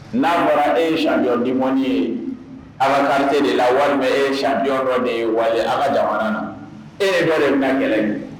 N'a fɔra e ye champion du monde a ka quartier de la walima e champion dɔ de ye wali a ka jamana, e ni jɔn ne bɛna kɛlɛ?